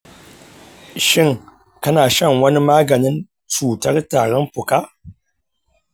shin kana shan wani maganin cutar tarin fuka ?